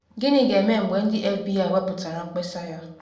Gịnị ga-eme mgbe ndị FBI weputere mkpesa ya?